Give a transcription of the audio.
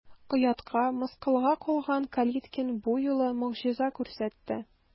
Оятка, мыскылга калган Калиткин бу юлы могҗиза күрсәтте.